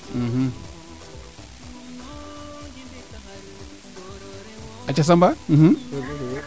aca Samba